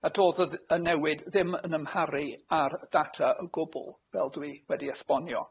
A to'dd y y newid ddim yn amharu ar ddata o gwbwl, fel dwi wedi esbonio.